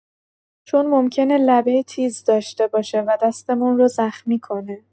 چون ممکنه لبه تیز داشته باشه و دستمون رو زخمی کنه.